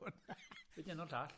Be' 'di enw'r llall?